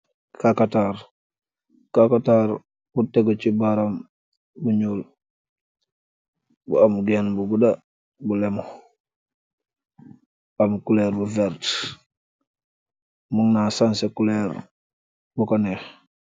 Kakataar! Kakataar bu teggu chi baraam bu nyul bu am gen bu guda bu lemmu am kulerr bu vert, mun na sanseh kulerr buko neeh.